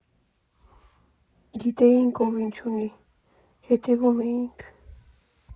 Գիտեինք, ով ինչ ունի, հետևում էինք։